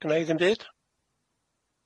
Sgynna i ddim deud.